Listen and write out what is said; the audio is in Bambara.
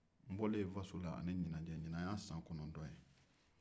n bɔlen n faso la ni ɲinan cɛ nin y'a san kɔnɔntɔn ye